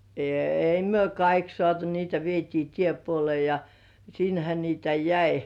ei me kaikki saatu niitä vietiin tiepuoleen ja sinnehän niitä jäi